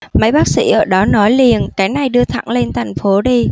mấy bác sĩ ở đó nói liền cái này đưa thẳng lên thành phố đi